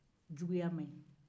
juguya ma ɲi